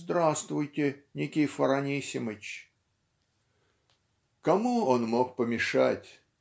"Здравствуйте, Никифор Анисимыч!" Кому он мог помешать?